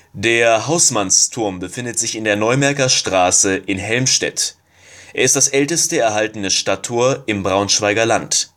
Der Hausmannsturm befindet sich in der Neumärker Straße in Helmstedt. Er ist das älteste erhaltene Stadttor im Braunschweiger Land